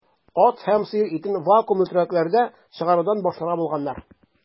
Ат һәм сыер итен вакуумлы төргәкләрдә чыгарудан башларга булганнар.